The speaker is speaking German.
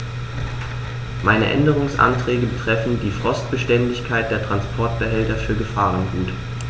Meine Änderungsanträge betreffen die Frostbeständigkeit der Transportbehälter für Gefahrgut.